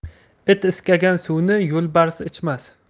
it iskagan suvni yo'lbars ichmas